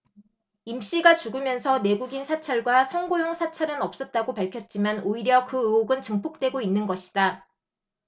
임씨가 죽으면서 내국인 사찰과 선거용 사찰은 없었다고 밝혔지만 오히려 그 의혹은 증폭되고 있는 것이다